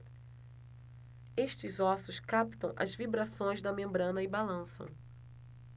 estes ossos captam as vibrações da membrana e balançam